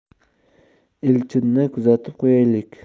elchinni kuzatib qo'yaylik